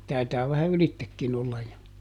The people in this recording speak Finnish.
taitaa vähän ylitsekin olla jo joo